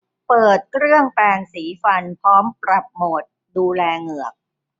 เปิดเครื่องแปรงสีฟันพร้อมปรับโหมดดูแลเหงือก